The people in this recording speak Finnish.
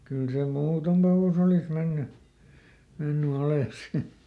kyllä se muuten alus oli mennyt mennyt alas sitten